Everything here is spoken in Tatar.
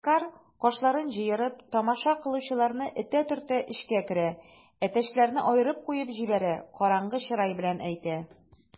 Макар, кашларын җыерып, тамаша кылучыларны этә-төртә эчкә керә, әтәчләрне аерып куып җибәрә, караңгы чырай белән әйтә: